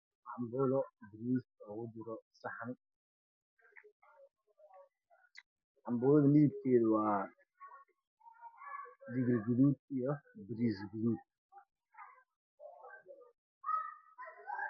Waa canbuulo lagu guray saxan canbuulada midab koodu waa guduud